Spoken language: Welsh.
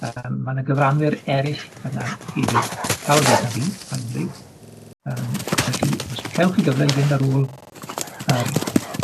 Yym ma' 'na gyfranwyr eryll yna hefyd llawer gwell na fi, rhaid fi ddeud, yym felly os cewch chi gyfle i fynd ar ôl yr